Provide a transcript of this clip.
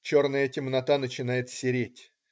Черная темнота начинает сереть.